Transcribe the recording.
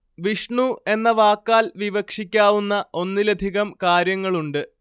വിഷ്ണു എന്ന വാക്കാൽ വിവക്ഷിക്കാവുന്ന ഒന്നിലധികം കാര്യങ്ങളുണ്ട്